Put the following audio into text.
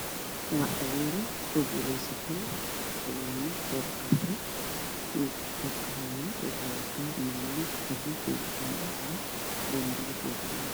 Waa dhalinyaro kuguleysatay banooni oo koob qaaday, wiilka koobka hayo waxuu wataa fanaanad buluug iyo cadaan ah iyo go buluug iyo cadaan ah.